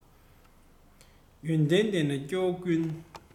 ཡོན ཏན ལྡན ན སྐྱེ བོ ཀུན